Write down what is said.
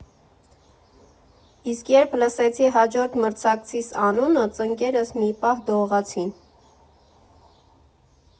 Իսկ երբ լսեցի հաջորդ մրցակցիս անունը՝ ծնկներս մի պահ դողացին։